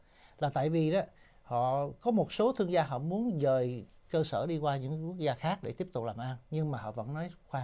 là tại vì họ có một số thương gia họ muốn dời cơ sở đi qua những quốc gia khác để tiếp tục làm ăn nhưng mà họ vẫn nói khoản